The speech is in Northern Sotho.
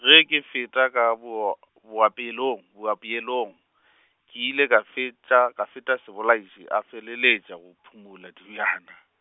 ge ke feta ka boa- boapeelong, boapeelong , ke ile ka fetša, ka feta Sebolaiši a feleletša go phumula dibjana.